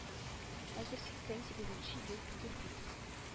Хәзер сиксән сигезенче ел түгел бит